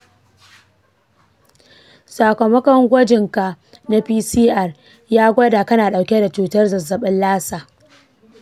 sakamakon gwajinka na pcr ya gwada kana dauke da cutar zazzafin lassa.